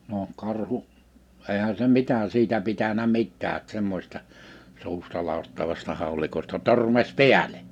no karhu eihän se mitä siitä pitänyt mitään - semmoisesta suustaladattavasta haulikosta törmäsi päälle